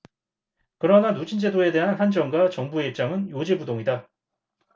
그러나 누진제도에 대한 한전과 정부의 입장은 요지부동이다